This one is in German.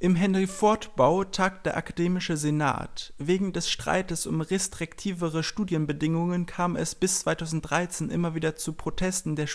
Im Henry-Ford-Bau tagt der Akademische Senat. Wegen des Streites um restriktivere Studienbedingungen kam es bis 2013 immer wieder zu Protesten der